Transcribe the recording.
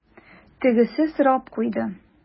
Тегесе сорап куйды: